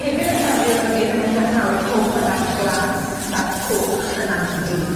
Hefyd yn tarddu o'r mynydd ymellach lawr y cwm y Nant Glas, Nant Coch, y Nant Du.